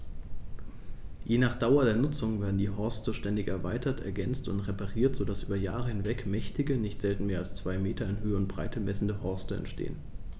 Je nach Dauer der Nutzung werden die Horste ständig erweitert, ergänzt und repariert, so dass über Jahre hinweg mächtige, nicht selten mehr als zwei Meter in Höhe und Breite messende Horste entstehen.